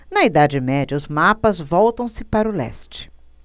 na idade média os mapas voltam-se para o leste